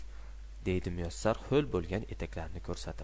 deydi muyassar ho'l bo'lgan etaklarini ko'rsatib